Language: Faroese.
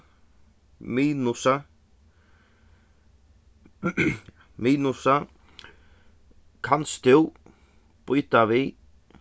minusa ja minusa kanst tú býta við